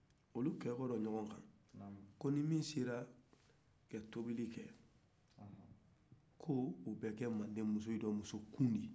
olu kɛlen ɲɔgɔn kan koni min sera ka toboli kɛ k'o bɛ kɛ mande musow la muso kun ye